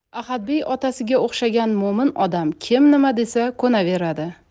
ahadbey otasiga o'xshagan mo'min odam kim nima desa ko'naveradi